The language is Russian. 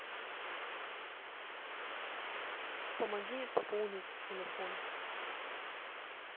помоги пополнить телефон